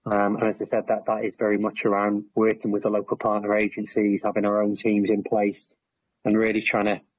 um and as I said, that that is very much around working with the local partner agencies, having our own teams in place, and really tryin' a